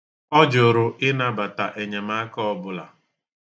Ọ jụrụ ịnabata enyemaka ọbụla.